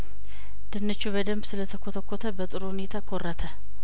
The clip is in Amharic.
ድንቹ በደንብ ስለተኰተኰተ በጥሩ ሁኔታ ኰረተ